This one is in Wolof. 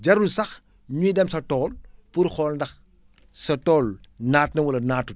jarul sax ñuy dem sa tool pour xool ndax sa tool naat na wala naatut